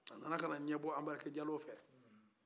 a nana ka na ɲɛbɔ anbarike diallo fɛ